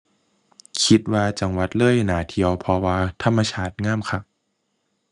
คิดว่าจังหวัดเลยน่าเที่ยว เพราะว่าธรรมชาติงามคัก